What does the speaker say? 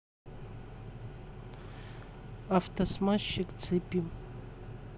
автосмазчик цепи